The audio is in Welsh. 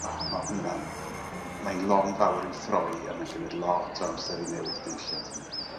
A ma' hwnna'n m- m- mae'n long fawr i'w throi a mae'n cymyd lot o amser i newid y diwylliant yna